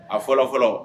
A fɔlɔfɔlɔ